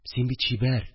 Син бит чибәр